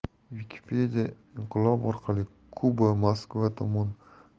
wikipediainqilob orqali kuba moskva tomon